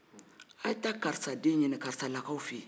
a' ye taa karisa den ɲinin karisalakaw fɛ in